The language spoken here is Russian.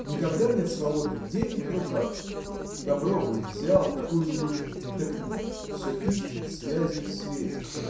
никогда нет свободных денег в руках! Добро бы взял какую-нибудь. так нет все ищет связей в свете